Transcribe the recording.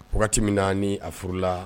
Wagati min na ni a furula